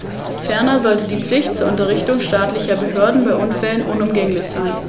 Auch ich möchte die Berichterstatterin zu ihrer ausgezeichneten Arbeit beglückwünschen.